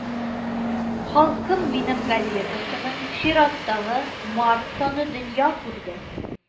Халкым минем газетасының чираттагы, март саны дөнья күрде